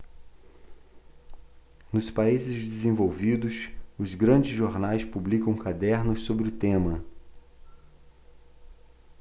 nos países desenvolvidos os grandes jornais publicam cadernos sobre o tema